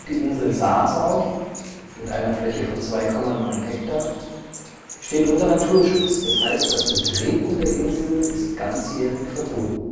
Insel Sassau (2,9 ha) steht unter Naturschutz, d. h. das Betreten der Insel ist ganzjährig verboten